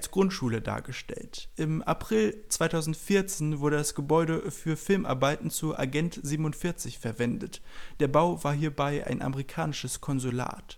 Grundschule dargestellt. Im April 2014 wurde das Gebäude für Filmarbeiten zu " Agent 47 " verwendet. Der Bau war hierbei ein amerikanisches Konsulat